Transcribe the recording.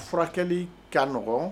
Furakɛli kaɔgɔn